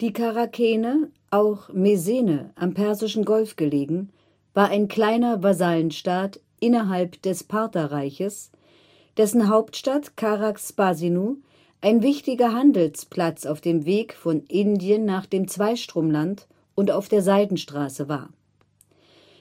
Die Charakene (auch Mesene, am Persischen Golf gelegen) war ein kleiner Vasallenstaat innerhalb des Partherreiches, dessen Hauptstadt Charax-Spasinu ein wichtiger Handelsplatz auf dem Weg von Indien nach dem Zweistromland und auch auf der Seidenstraße war.